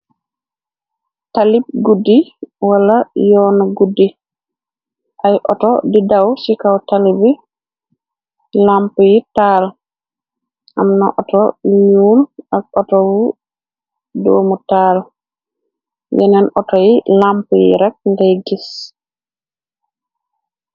Talib guddi wala yoonu guddi ay otto di daw ci kaw tali bi lamp yi taal amna otto bu ñuul ak otto doomu tahal yenen otto yi lamp yi rek ngay gi.